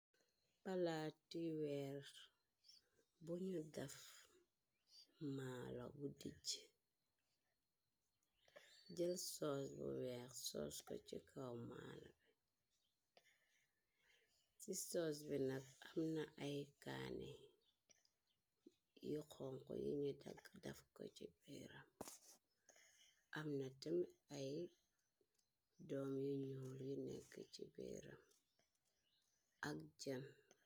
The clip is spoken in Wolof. Palaati weer buñu daf maalo bu dijj, jël soos bu weex soos ko ci kaw maalo bi, ci soos bi nak am na ay kaane yu xonxu yiñu dagg daf ko ci beeram, am na tem ay doom yu ñuul yu nekk ci beeram ak jan.